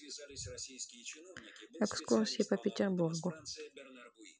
экскурсии по петербургу